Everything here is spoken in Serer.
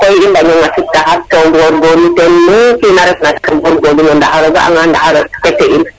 yag koy i mbaño ŋasit taxar to ngogorlu ten mu kina refa teen o ga a nga ndaxar o respecter in